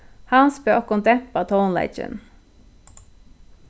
hans bað okkum dempa tónleikin